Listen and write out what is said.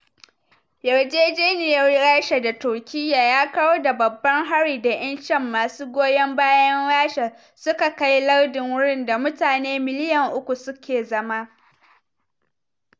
Yarjejeniyar Rasha da Turkiyar ya kawar da babban hari da ‘yan Sham masu goyon bayan Rasha suka kai lardin, wurin da mutane miliyan uku suke zama.